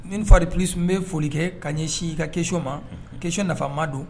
Ni fari p kisi bɛ foli kɛ kaa ɲɛsin ka keso ma ke nafama don